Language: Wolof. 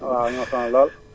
waa ñoo ma sonal lool